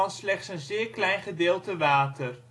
slechts een zeer klein gedeelte water